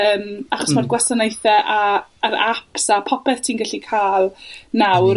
yym, achos ma'r gwasanaethe a a'r aps a popeth ti'n gallu ca'l nawr...